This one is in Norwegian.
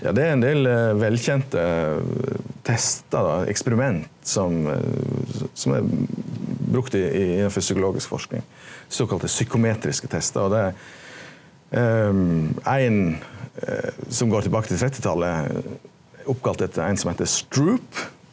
ja det er ein del velkjente testar då eksperiment som som er brukt i innanfor psykologisk forsking sokalla psykometriske testar og det er ein som går tilbake til trettitalet oppkalla etter ein som heiter Stroop.